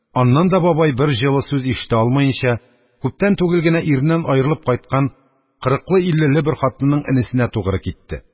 Аннан да бабай бер җылы сүз ишетә алмаенча, күптән түгел генә иреннән аерылып кайткан кырыклы-иллеле бер хатынның энесенә тугры китте.